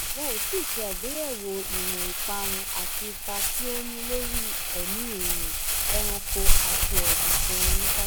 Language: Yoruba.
Wọn ò tíì ṣe àgbéyẹ̀wò ìwọ̀n ìparun àti ipa tí ó ní lórí ẹ̀mí èèyàn, ẹranko àti ọ̀gbìn gan ní pàtó.